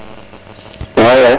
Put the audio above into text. maxey rek